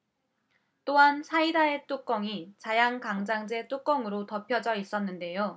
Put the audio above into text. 또한 사이다의 뚜껑이 자양강장제 뚜껑으로 덮어져 있었는데요